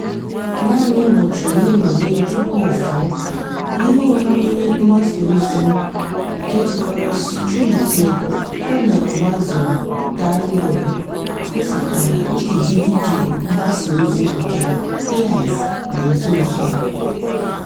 Naanị ụbọchị ole na ole tupu o fuo, ihe omume mgbasa ozi nke jikọrọ steeti Con el Mazo Dando gosipụtara nkeji vidiyo mgbasa ozi nke Diaz na nso nso a.